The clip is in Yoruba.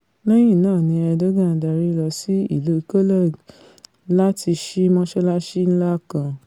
Lẹ́yìn náà ni Erdogan dári lọ sí ìlú Cologne láti sí mọ́sálásí ńlá kan.